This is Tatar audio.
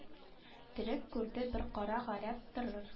Төрек күрде бер кара гарәп торыр